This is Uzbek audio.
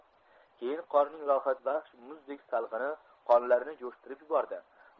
keyin qoming rohatbaxsh muzdek salqini qonlarini jo'shtirib yubordi